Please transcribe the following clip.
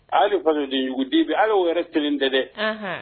Hali fa de dibi ala yɛrɛ kelen tɛ dɛ